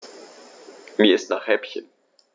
Mir ist nach Häppchen.